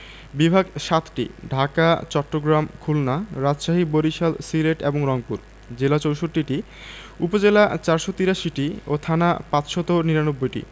বিভাগ ৭টি ঢাকা চট্টগ্রাম খুলনা রাজশাহী বরিশাল সিলেট এবং রংপুর জেলা ৬৪টি উপজেলা ৪৮৩টি ও থানা ৫৯৯টি